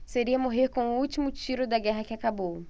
seria morrer com o último tiro da guerra que acabou